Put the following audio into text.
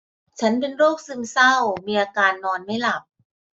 ฉันเป็นโรคซึมเศร้ามีอาการนอนไม่หลับ